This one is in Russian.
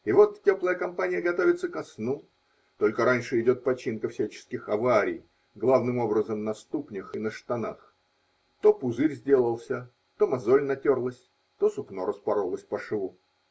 И вот теплая компания готовится ко сну, только раньше идет починка всяческих аварий, главным образом, на ступнях и на штанах: то пузырь сделался, то мозоль натерлась, то сукно распоролось по шву.